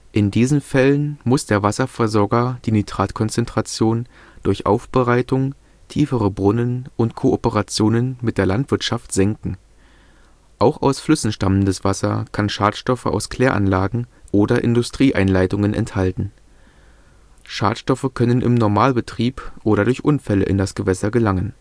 In diesen Fällen muss der Wasserversorger die Nitratkonzentration durch Aufbereitung, tiefere Brunnen und Kooperationen mit der Landwirtschaft senken. Auch aus Flüssen stammendes Wasser kann Schadstoffe aus Kläranlagen oder Industrieeinleitungen enthalten. Schadstoffe können im „ Normalbetrieb “oder durch Unfälle in das Gewässer gelangen